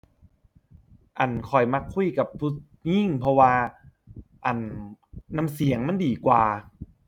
อั่น ข้อยมักคุยกับผู้หญิง เพราะว่า อั่น น้ำเสียงมันดีกว่า